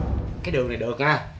đường này được ha